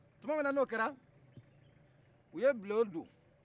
tumaminna n'o kɛra o ye bulo don